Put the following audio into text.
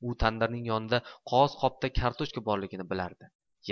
u tandirning yonida qog'oz qopda kartoshka borligini bilardi